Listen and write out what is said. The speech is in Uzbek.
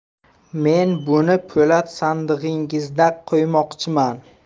men buni po'lat sandig'ingizda qo'ymoqchiman